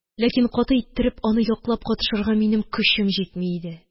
Ләкин каты иттереп аны яклап катышырга минем көчем җитми иде.